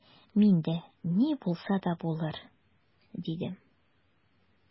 Мин дә: «Ни булса да булыр»,— дидем.